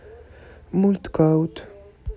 мульт каут